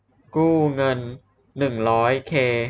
กู้เงินหนึ่งร้อยเค